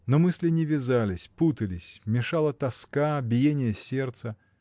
Но мысли не вязались, путались, мешала тоска, биение сердца.